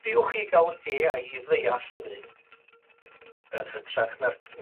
triwch chi ga'l Ay I i ddeall hynny, yn hytrach na'r